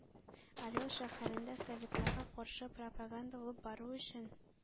Орел шәһәрендә советларга каршы пропаганда алып бару өчен